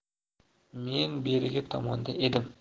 men berigi tomonda edim